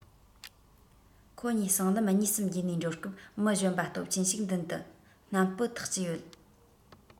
ཁོ གཉིས སྲང ལམ གཉིས གསུམ བརྒྱུད ནས འགྲོ སྐབས མི གཞོན པ སྟོབས ཆེན ཞིག མདུན དུ སྣམ སྤུ འཐགས ཀྱི ཡོད